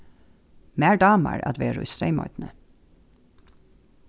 mær dámar at vera í streymoynni